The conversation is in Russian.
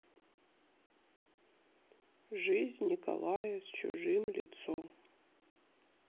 жизнь николая с чужим лицом